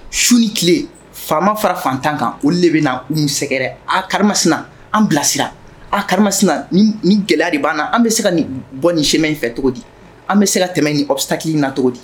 Su ni tile faama fara fantan kan olu de bɛ na u ni sɛgɛrɛ a karamasina an bilasira a karasina ni gɛlɛya de b'an an bɛ se ka nin bɔ sɛmɛ in fɛ cogo di an bɛ se ka tɛmɛ nin aw bɛ k'i na cogo di